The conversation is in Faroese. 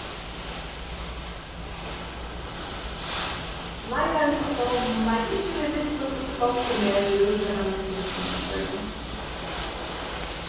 leiðarin á stovninum veit ikki við vissu hvussu gongdin er við rúsdrekkamisnýtsluni í føroyum